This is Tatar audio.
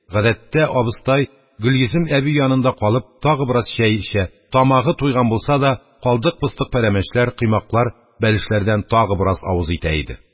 Гадәттә, абыстай, Гөлйөзем әби янында калып, тагы бераз чәй эчә, тамагы туйган булса да, калдык-постык пәрәмәчләр, коймаклар, бәлешләрдән тагы бераз авыз итә иде.